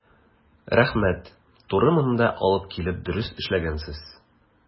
Рәхмәт, туры монда алып килеп дөрес эшләгәнсез.